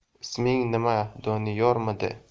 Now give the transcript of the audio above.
isming nima doniyormidi